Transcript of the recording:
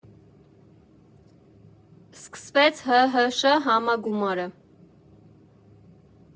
Սկսվեց ՀՀՇ համագումարը։